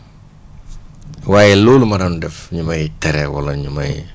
waaye loolu ma doon def ñu may tere wala ñu may